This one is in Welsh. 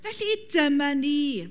Felly, dyma ni.